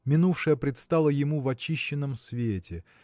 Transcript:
Минувшее предстало ему в очищенном свете